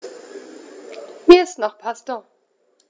Mir ist nach Pasta.